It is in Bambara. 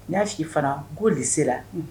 N y'a f' i fana go de sera la